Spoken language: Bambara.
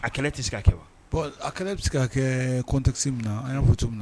A kɛlɛ tɛ se ka kɛ wa bɔn a kɛlen bɛ se ka kɛ kɔnte se minna na an' fɔ cogo min minna na